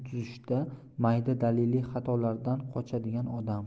tuzishda mayda daliliy xatolardan qochadigan odam